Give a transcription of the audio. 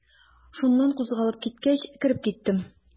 Шуннан кузгалып киткәч, кереп киттем.